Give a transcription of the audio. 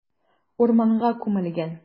Урманга күмелгән.